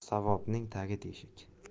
savobning tagi teshik